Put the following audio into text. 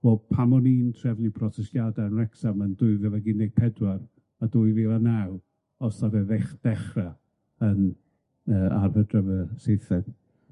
Wel, pam o'n i'n trefnu protestiade yn Wrecsam yn dwy fil ag un deg pedwar a dwy fil a naw, os nath e ddech- ddechra yn yy ar Hydref y seithfed.